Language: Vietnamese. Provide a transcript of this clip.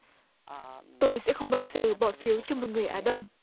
tôi sẽ không bao giờ bỏ phiếu cho một người á đông